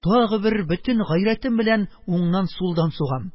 Тагы бер бөтен гайрәтем белән уңнан-сулдан сугам...